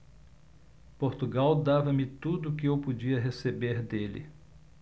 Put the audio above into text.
portugal dava-me tudo o que eu podia receber dele